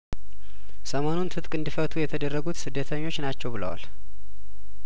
ሰሞኑን ትጥቅ እንዲፈቱ የተደረጉት ስደተኞች ናቸው ብለዋል